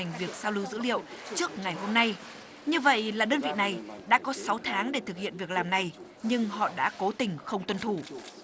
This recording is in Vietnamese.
thành việc sao lưu dữ liệu trước ngày hôm nay như vậy là đơn vị này đã có sáu tháng để thực hiện việc làm này nhưng họ đã cố tình không tuân thủ